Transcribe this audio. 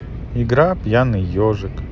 игра пьяный ежик